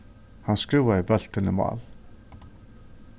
hann skrúvaði bóltin í mál